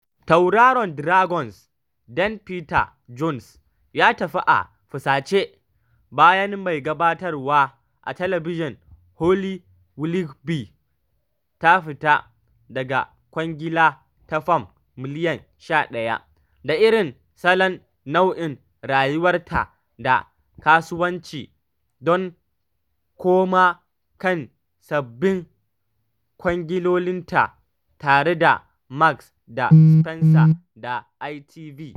Tauraron Dragons Den Peter Jones ya tafi a 'fusace' bayan mai gabatarwa a talabijin Holly Willoughby ta fita daga kwangila ta Fam miliyan 11 da irin salon nau’in rayuwarta ta kasuwanci don koma kan sababbin kwangilolinta tare da Marks da Spencer da ITV